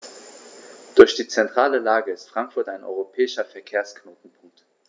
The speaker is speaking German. Durch die zentrale Lage ist Frankfurt ein europäischer Verkehrsknotenpunkt.